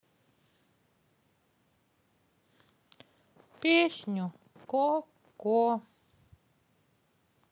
песню ко ко